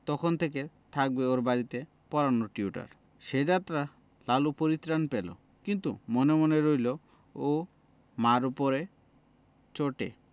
তখন থেকে থাকবে ওর বাড়িতে পড়ানোর টিউটার সে যাত্রা লালু পরিত্রাণ পেল কিন্তু মনে মনে রইল ও মা'র উপরে চটে